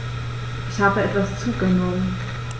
Ich habe etwas zugenommen